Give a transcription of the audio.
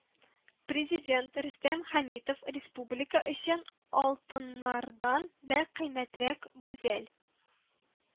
Президент Рөстәм Хәмитов республика өчен алтыннардан да кыйммәтрәк гүзәл